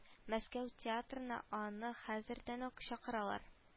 Мәскәү театрына аны хәзердән ук чакыралар